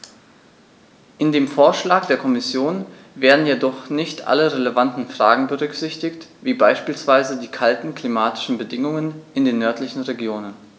In dem Vorschlag der Kommission werden jedoch nicht alle relevanten Fragen berücksichtigt, wie beispielsweise die kalten klimatischen Bedingungen in den nördlichen Regionen.